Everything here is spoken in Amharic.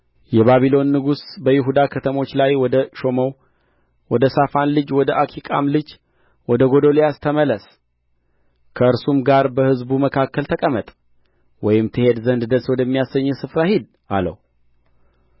የባቢሎን ንጉሥ በይሁዳ ከተሞች ላይ ወደ ሾመው ወደ ሳፋን ልጅ ወደ አኪቃም ልጅ ወደ ጎዶልያስ ተመለስ ከእርሱም ጋር በሕዝቡ መካከል ተቀመጥ ወይም ትሄድ ዘንድ ደስ ወደሚያሰኝህ ስፍራ ሂድ አለው